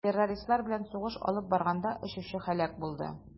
Террористлар белән сугыш алып барганда очучы һәлак булды.